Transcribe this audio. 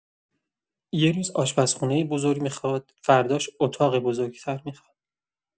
یه روز آشپزخونه بزرگ می‌خواد، فرداش اتاق بزرگ‌تر می‌خواد.